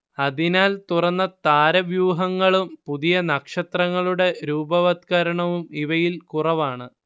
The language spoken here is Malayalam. അതിനാൽ തുറന്ന താരവ്യൂഹങ്ങളും പുതിയ നക്ഷത്രങ്ങളുടെ രൂപവത്കരണവും ഇവയിൽ കുറവാണ്